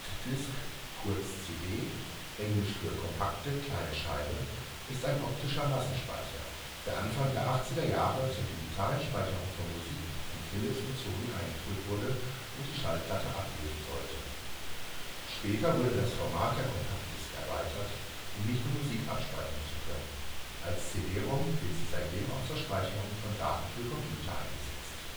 Disc (kurz: CD, englisch für Kompakte, kleine Scheibe) ist ein optischer Massenspeicher, der Anfang der 80er zur digitalen Speicherung von Musik von Philips und Sony eingeführt wurde (Audio-CD) und die Schallplatte ablösen sollte. Später wurde das Format der Compact Disc erweitert, um nicht nur Musik abspeichern zu können. Als CD-ROM wird sie seitdem auch zur Speicherung von Daten für Computer eingesetzt